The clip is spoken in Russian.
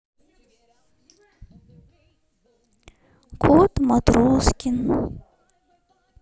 кот матроскин